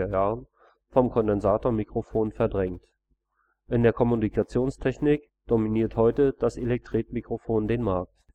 1930er-Jahren vom Kondensatormikrofon verdrängt. In der Kommunikationstechnik dominiert heute das Elektretmikrofon den Markt